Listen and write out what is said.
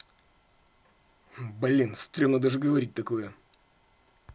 блин стремно даже говорить такое